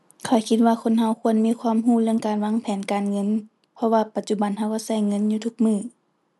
ข้อยคิดว่าคนเราควรมีความเราเรื่องการวางแผนการเงิน เพราะว่าปัจจุบันเราเราเราเงินอยู่ทุกมื้อ